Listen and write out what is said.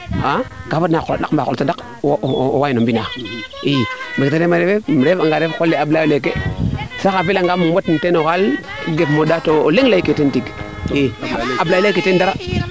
kaa fadna a qoola ndaq ba a qoola tadak owey no mbina i meete refna rek im ref anga no qole Ablaye leeke a fel angaam im watin teeno xaal gef moɗa to o leŋ leyke teen tig i ablaye leyke teen dar